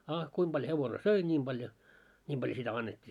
a kuinka paljon hevonen söi niin paljon niin paljon sitä annettiin